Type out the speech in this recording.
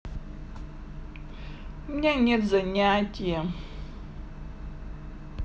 у меня нет занятия